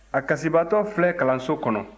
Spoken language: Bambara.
a kasibaatɔ filɛ kalanso kɔnɔ